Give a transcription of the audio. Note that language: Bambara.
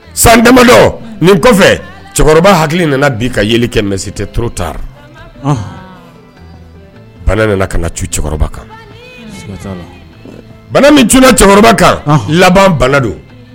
San damadɔ nin kɔfɛ, cɛkɔrɔba hakili nana bin ka yeli kɛ mais, c'était trop tard ;Un; banan nana ka na cun cɛkɔrɔba kan; Siga t'a la; Banan min cun cɛkɔrɔba kan; Ɔnhɔn; laban banan don.